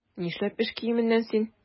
Нишләп эш киеменнән син?